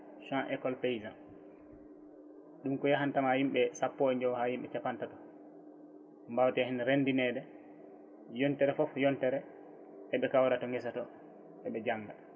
champs école paysant ɗum ko yahantuma yimɓe sappo e joyyo ha yimɓe capantato mbawate hen rendinede yontere foof yontere eɓe kawra to guesa to eɓe jangga